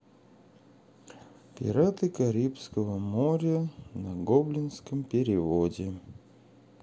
пираты карибского моря на гоблинском переводе